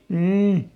niin